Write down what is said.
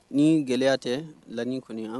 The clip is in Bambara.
Ni gɛlɛyaya tɛ lani kɔni